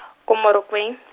ko Morokweng.